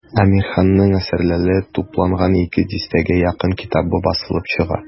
Әмирханның әсәрләре тупланган ике дистәгә якын китабы басылып чыга.